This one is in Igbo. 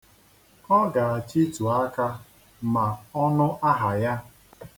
Ọ ga-achịtu aka ma ọ nụ aha ya.